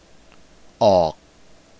ออก